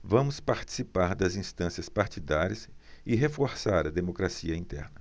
vamos participar das instâncias partidárias e reforçar a democracia interna